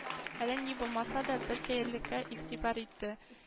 Әлә ни булмасада, бер сәерлекә ихтибар итте